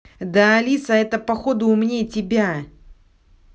да алиса это походу умнее тебя